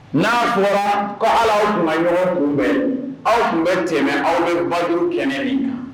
N'a fɔra ko ali a tun ka ɲɔgɔn kunbɛn, aw tun bɛ tɛmɛ aw bɛ badru kɛmɛ min na.